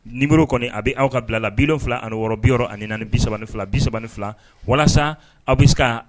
Numéro kɔni a bɛ, aw ka bila la 76 64 32 32 walasa aw bɛ se ka